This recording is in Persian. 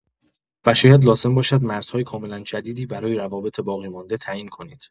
و شاید لازم باشد مرزهای کاملا جدیدی برای روابط باقی‌مانده تعیین کنید.